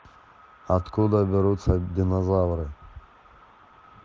откуда берутся динозавры